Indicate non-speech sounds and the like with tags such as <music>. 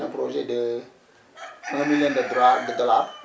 un projet de <hesitation> <noise> 1 million de dollar de dollar